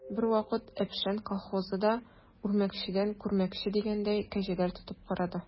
Бервакыт «Әпшән» колхозы да, үрмәкчедән күрмәкче дигәндәй, кәҗәләр тотып карады.